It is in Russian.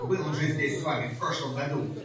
Я был уже здесь с вами в прошлом году.